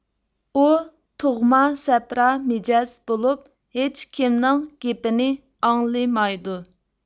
ئۇ تۇغما سەپرا مىجەز بولۇپ ھېچكىمنىڭ گېپىنى ئاڭلىمايدۇ